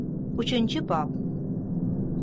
uchinchi bob